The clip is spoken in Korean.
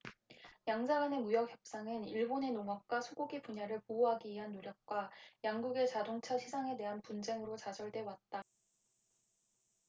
양자간의 무역협상은 일본의 농업과 소고기 분야를 보호하기 위한 노력과 양국의 자동차 시장에 대한 분쟁으로 좌절돼왔다